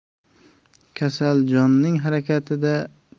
kasal jonning harakatida